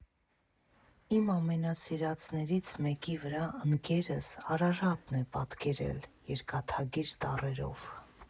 Իմ ամենասիրածներից մեկի վրա ընկերս Արարատն է պատկերել՝ երկաթագիր տառերով»։